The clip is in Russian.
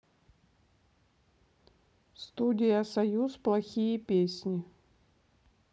студия союз плохие песни